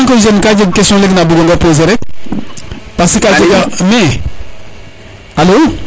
en tant que jeune ka jeg question na bugonga poser rek parce que a jega